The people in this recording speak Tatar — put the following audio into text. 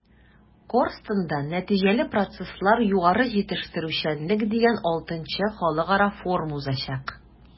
“корстон”да “нәтиҗәле процесслар-югары җитештерүчәнлек” дигән vι халыкара форум узачак.